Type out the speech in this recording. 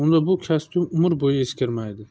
unda bu kostyum umr bo'yi eskirmaydi